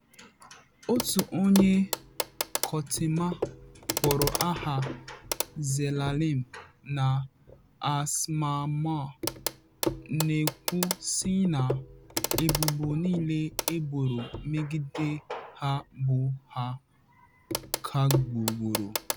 Otu onye kọtịma kpọrọ aha Zelalem na Asmamaw, na-ekwu sị na ebubo niile eboro megide ha bụ a kagbugoro.